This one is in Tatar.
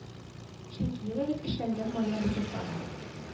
Чөнки ел элек эшләнгән мая бетеп бара